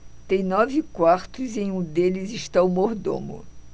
tem nove quartos e em um deles está o mordomo